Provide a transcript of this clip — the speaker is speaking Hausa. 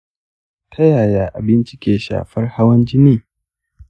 ta yaya abinci ke shafar hawan jini?